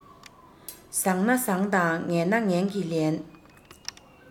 བཟང ན བཟང དང ངན ན ངན གྱིས ལན